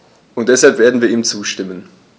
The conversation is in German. Und deshalb werden wir ihm zustimmen.